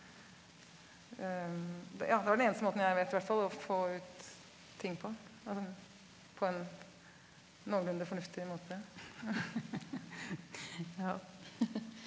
ja det var den eneste måten jeg vet hvert fall å få ut ting på altså på en noenlunde fornuftig måte ja.